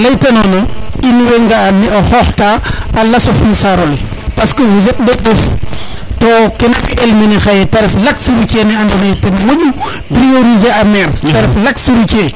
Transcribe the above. ne leyta nona in way nga a ne o xoox ta a lasof no sarole parce que vous etes le peuple to ke na fiyel mene xaye te ref l' axe routiere ne ando naye ten moƴu prioriser a maire te ref l' axe routiere